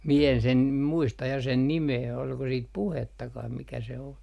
minä en sen muista ja sen nimeä oliko sitten puhettakaan mikä se on